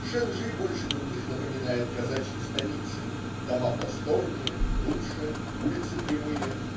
Шенжи больше других напоминает казачьи станицы. Дома просторнее, лучше. Улицы прямые.